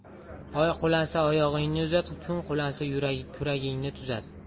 oy qulansa oyog'ingni uzat kun qulansa kuragingni tuzat